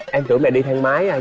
em tưởng mẹ đi thang máy ai dè